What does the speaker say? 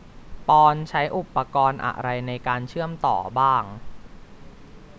ปอนด์ใช้อุปกรณ์อะไรในการเชื่อมต่อบ้าง